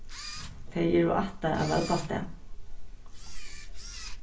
tey eru ættað av velbastað